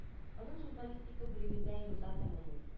Аның журналистика бүлеген елда тәмамлый